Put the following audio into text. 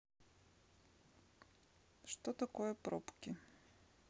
что такое пробки